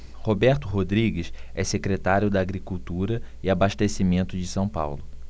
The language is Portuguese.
roberto rodrigues é secretário da agricultura e abastecimento de são paulo